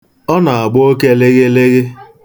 Ọ na-agba oke lịghịlịghị.